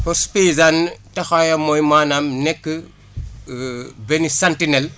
force paysane taxawaayam mooy maanaam nekk benn centinelle